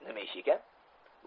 nima ish ekan